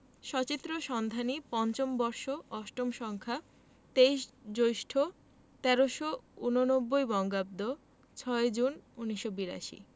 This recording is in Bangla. সচিত্র সন্ধানী ৫ম বর্ষ ৮ম সংখ্যা ২৩ জ্যৈষ্ঠ ১৩৮৯ ৬ জুন ১৯৮২